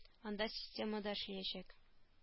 Анда системы да эшләячәк